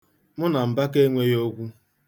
Mụ na Mbaka enweghị okwu.